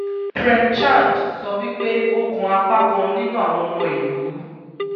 Prem Chand sọ wípé ó kan apá kan nínú àwọn ọmọ ìlú: